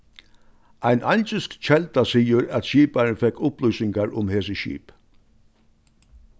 ein eingilsk kelda sigur at skiparin fekk upplýsingar um hesi skip